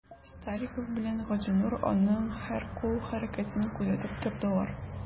Стариков белән Газинур аның һәр кул хәрәкәтен күзәтеп тордылар.